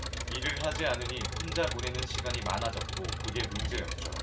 일을 하지 않으니 혼자 보내는 시간이 많아졌고 그게 문제였죠